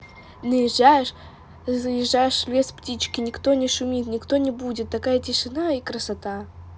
наезжаешь заезжаешь в лес птичке никто не шумит никто не будит такая тишина и красота